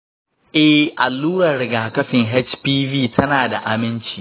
ee, allurar rigakafin hpv tana da aminci.